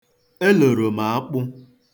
Eloro m akpụ.